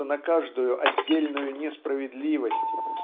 что на каждую отдельную несправедливость